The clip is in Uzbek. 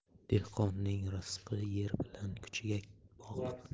dehqonning rizqi yer bilan kuchiga bog'liq